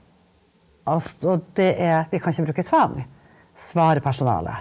altså det er vi kan ikke bruke tvang, svarer personalet.